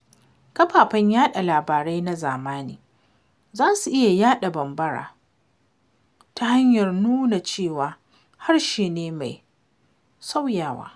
Kafafen yaɗa labarai na zamani za su iya haɓaka Bambara ta hanyar nuna cewa harshe ne mai sauyawa.